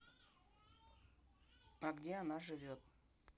а где она живет